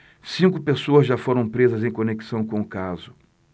cinco pessoas já foram presas em conexão com o caso